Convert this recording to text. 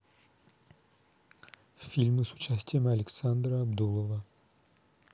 фильмы с участием александра абдулова